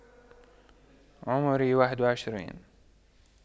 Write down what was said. عمري واحد وعشرين